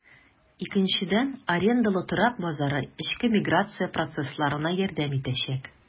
Икенчедән, арендалы торак базары эчке миграция процессларына ярдәм итәчәк.